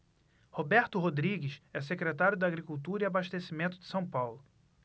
roberto rodrigues é secretário da agricultura e abastecimento de são paulo